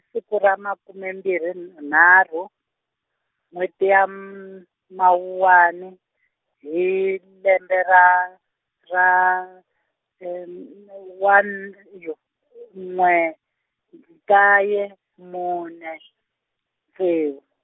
siku ra makume mbirhi n-, nharhu, n'wheti ya M-, Mawuwani hi lembe ra ra one yo n'we nkaye mune, ntsevu.